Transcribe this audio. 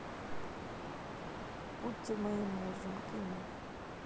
будьте моим мужем кино